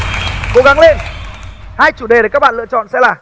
cố gắng lên hai chủ đề để các bạn lựa chọn sẽ là